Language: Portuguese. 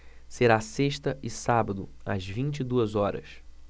será sexta e sábado às vinte e duas horas